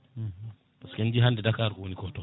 par ce que en jii hande Dakar kowoni ko toon